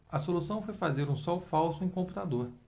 a solução foi fazer um sol falso em computador